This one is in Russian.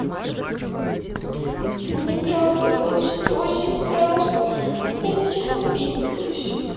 не правда ты очень очень страшно я сейчас отписываюсь